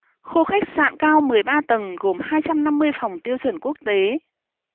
khu khách sạn cao mười ba tầng gồm hai trăm năm mươi phòng tiêu chuẩn quốc tế